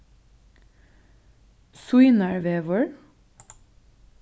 sýnarvegur